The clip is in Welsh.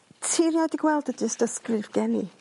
Ti rioed 'di gweld y dystysgrif geni?